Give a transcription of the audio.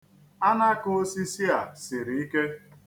Alakaosisi a siri ike.